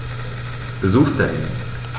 Besuchstermin